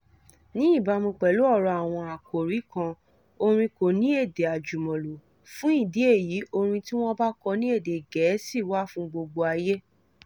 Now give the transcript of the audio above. Ní ìbámu pẹ̀lú ọ̀rọ̀ àwọn àkòrí kan, orin kò ní èdè àjùmọ̀lò, fún ìdí èyí orin tí wọ́n bá kọ ní èdè Gẹ̀ẹ́sì wà fún gbogbo ayé.